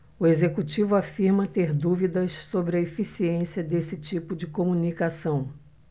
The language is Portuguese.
o executivo afirma ter dúvidas sobre a eficiência desse tipo de comunicação